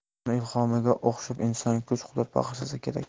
uni ilhomiga o'xshab insonga kuch qudrat bag'ishlasa kerak